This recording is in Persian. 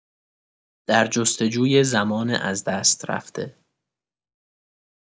در جستجوی زمان از دست رفته